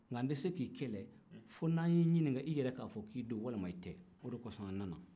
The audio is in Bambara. nka n tɛ se k'i kɛlɛ fo n'an y'i ɲininka i yɛrɛ ka fɔ k'i don walima i tɛ o de kɔsɔn an nana